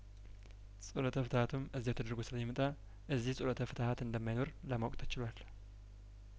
ጸሎተ ፍትሀቱም እዚያው ተደርጐ ስለሚመጣ እዚህ ጸሎተ ፍትሀት እንደማይኖር ለማወቅ ተችሏል